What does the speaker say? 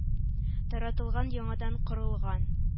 Таратылган яңадан корылган :